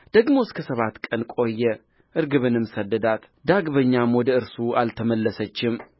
ደግሞ እስከ ሰባት ቀን ቆየ ርግብንም ሰደዳት ዳግመኛም ወደ እርሱ አልተመለሰችም